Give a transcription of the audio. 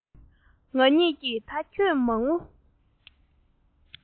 ང གཉིས ཀྱིས ད ཁྱོད མ ངུ